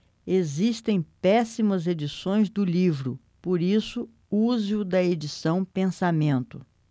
existem péssimas edições do livro por isso use o da edição pensamento